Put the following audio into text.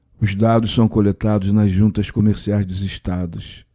os dados são coletados nas juntas comerciais dos estados